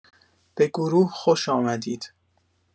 به گروه خوش آمدید